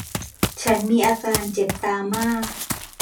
ฉันมีอาการเจ็บตามาก